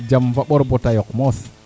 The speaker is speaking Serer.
jam fa ɓor bata yoq